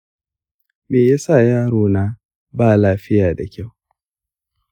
me yasa yaro na ba tafiya da kyau